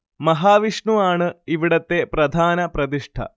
മഹാവിഷ്ണു ആണ് ഇവിടത്തെ പ്രധാന പ്രതിഷ്ഠ